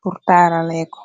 bur taaraleeko.